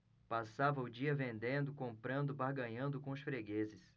passava o dia vendendo comprando barganhando com os fregueses